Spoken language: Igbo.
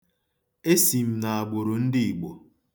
Esi m n'agbụrụ ndị Igbo.